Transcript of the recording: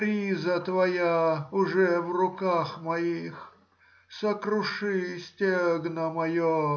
риза твоя уже в руках моих. сокруши стегно мое.